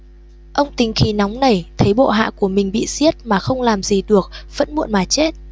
ông tính khí nóng nảy thấy bộ hạ của mình bị giết mà không làm gì được phẫn muộn mà chết